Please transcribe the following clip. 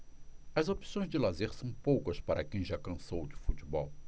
as opções de lazer são poucas para quem já cansou de futebol